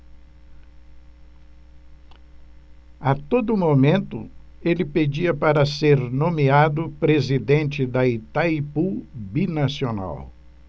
a todo momento ele pedia para ser nomeado presidente de itaipu binacional